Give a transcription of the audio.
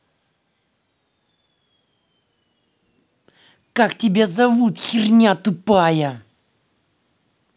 как тебя зовут херня тупая